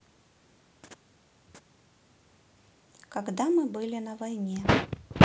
когда мы были на войне